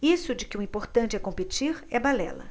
isso de que o importante é competir é balela